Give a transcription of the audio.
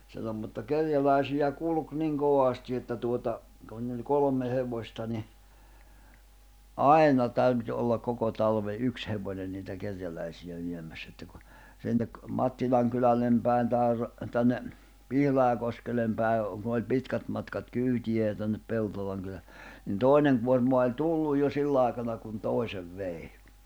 silloin mutta kerjäläisiä kulki niin kovasti että tuota kun niillä oli kolme hevosta niin aina täytyi olla koko talven yksi hevonen niitä kerjäläisiä viemässä että kun sinne Mattilan kylälle päin tai tänne Pihlajakoskelle päin kun oli pitkät matkat kyytiä ja tänne Peltolan - niin toinen kuorma oli tullut jo sillä aikana kun toiset vei